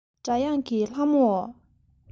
སྒྲ དབྱངས ཀྱི ལྷ མོ ཨོ